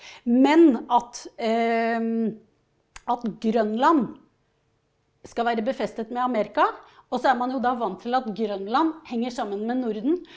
men at at Grønland skal være befestet med Amerika og så er man jo da vant til at Grønland henger sammen med Norden.